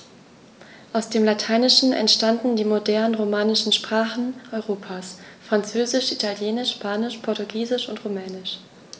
Aus dem Lateinischen entstanden die modernen „romanischen“ Sprachen Europas: Französisch, Italienisch, Spanisch, Portugiesisch und Rumänisch.